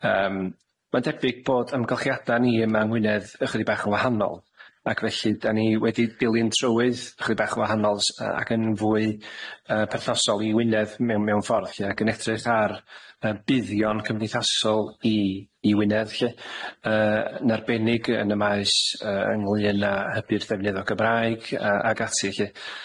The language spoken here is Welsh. Yym ma'n debyg bod ymgylchiada ni yma yng Ngwynedd ychydig bach yn wahanol, ac felly dan ni wedi dilyn trywydd ychydig bach yn wahanol s- yy ac yn fwy yy perthnosol i Wynedd mewn mewn ffordd lly ag yn edrych ar yy buddion cymdeithasol i i Wynedd lly, yy yn arbennig yn y maes yy ynglŷn â hybu'r ddefnydd o Gymraeg yy ag ati lly.